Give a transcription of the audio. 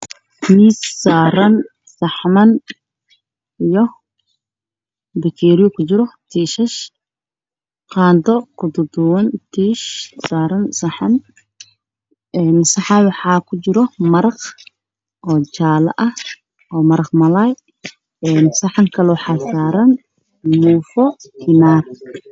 Waa saxan cadaan waxaa ku canjeero khudaar ah waana suugo kalarkeedu yahay guduud